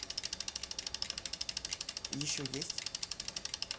еще есть